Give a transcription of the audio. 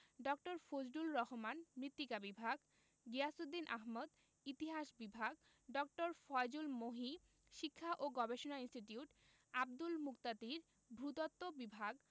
ড. ফজলুর রহমান মৃত্তিকা বিভাগ গিয়াসউদ্দিন আহমদ ইতিহাস বিভাগ ড. ফয়জুল মহি শিক্ষা ও গবেষণা ইনস্টিটিউট আব্দুল মুকতাদির ভূ তত্ত্ব বিভাগ